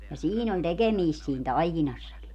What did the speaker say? ja siinä on tekemistä siinä taikinassakin